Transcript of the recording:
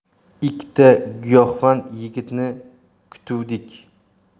ikkita giyohvand yigitni tutuvdik